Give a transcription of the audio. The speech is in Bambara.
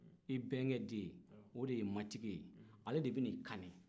i bɛnkɛ den o de y'i matigi ye ale de bɛna i kani